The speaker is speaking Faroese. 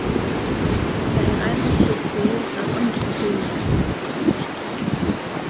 tað er ein orsøk til at eingin tímir hetta